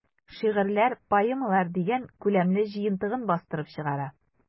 "шигырьләр, поэмалар” дигән күләмле җыентыгын бастырып чыгара.